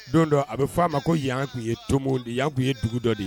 Don dɔ a bɛ f'a ma ko yan tun ye tomo yan tun ye dugu dɔ de ye